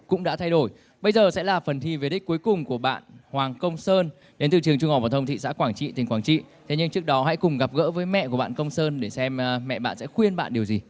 cũng đã thay đổi bây giờ sẽ là phần thi về đích cuối cùng của bạn hoàng công sơn đến từ trường trung học phổ thông thị xã quảng trị tỉnh quảng trị thế nhưng trước đó hãy cùng gặp gỡ với mẹ của bạn công sơn để xem a mẹ bạn sẽ khuyên bạn điều gì